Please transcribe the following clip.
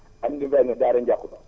Amndy Mbengue Daara Ndiakhoul